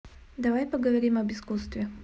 давай поговорим об искусстве